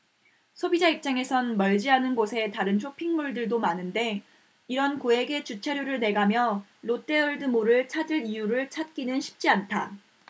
소비자 입장에선 멀지 않은 곳에 다른 쇼핑 몰들도 많은데 이런 고액의 주차료를 내가며 롯데월드몰을 찾을 이유를 찾기는 쉽지 않다